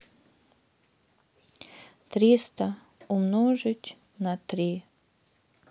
триста умножить на три